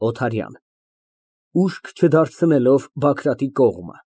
ՕԹԱՐՅԱՆ ֊ (Ուշք չդարձնելով Բագրատի կողմ)